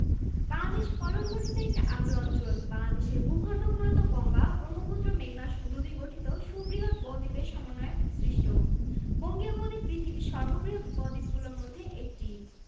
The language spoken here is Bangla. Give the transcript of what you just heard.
আন্তর্জাতিক স্থলসীমার দৈর্ঘ্য প্রায় ২হাজার ৪০০ কিলোমিটার এর মধ্যে ৯২ শতাংশ ভারতের সঙ্গে এবং বাকি ৮ শতাংশ মায়ানমারের সঙ্গে